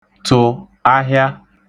tụ̀ ahịa